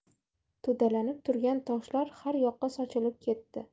to'dalanib turgan toshlar har yoqqa sochilib ketdi